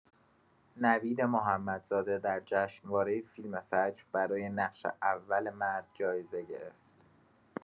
نوید محمدزاده در جشنواره فیلم فجر برای نقش اول مرد جایزه گرفت.